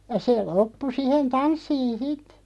ja se loppui siihen tanssiin sitten